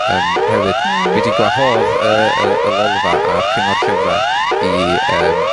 yym hefyd. Waw. Dwi 'di gwahodd y y y Lolfa a'r Cyngor Llyfra' i, yym...